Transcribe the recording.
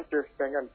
An tɛ sanga